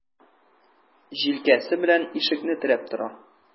Җилкәсе белән ишекне терәп тора.